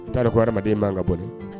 A'a dɔn ko ha adamadamaden man ka bɔdi